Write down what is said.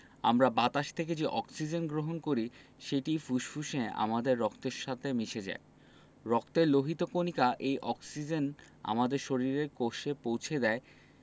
আমরা বাতাস থেকে যে অক্সিজেন গ্রহণ করি সেটি ফুসফুসে আমাদের রক্তের সাথে মিশে যায় রক্তের লোহিত কণিকা এই অক্সিজেন আমাদের শরীরের কোষে পৌছে দেয়